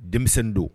Denmisɛnw don